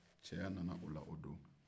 cɛya nana o la o don